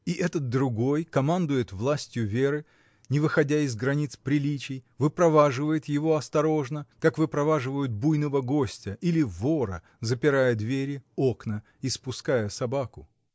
И этот другой командует властью Веры, не выходя из границ приличий, выпроваживает его осторожно, как выпроваживают буйного гостя или вора, запирая двери, окна и спуская собаку.